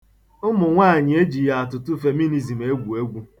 Ụmụnwaanyị ejighị atụtụ Feminizm egwu egwu.